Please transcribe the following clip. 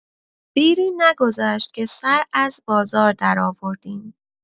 دیری نگذشت که سر از بازار درآوردیم.